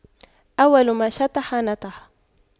أول ما شطح نطح